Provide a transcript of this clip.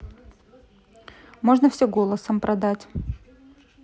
можно все голосом продать